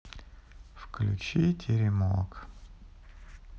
включи теремок